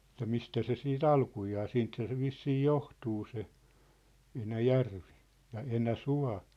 että mistä se sitten alkujaan siitähän se vissiin johtuu se Enäjärvi ja Enäsuo